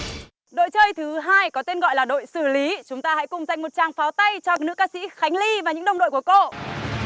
đội chơi thứ hai có tên gọi là đội xử lý chúng ta hãy cùng dành một tràng pháo tay cho nữ ca sĩ khánh ly và những đồng đội của cô